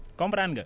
comprendre nga